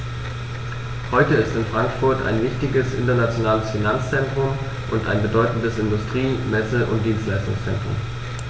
Heute ist Frankfurt ein wichtiges, internationales Finanzzentrum und ein bedeutendes Industrie-, Messe- und Dienstleistungszentrum.